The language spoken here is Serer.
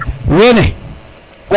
wene